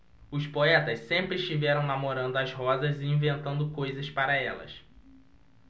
os poetas sempre estiveram namorando as rosas e inventando coisas para elas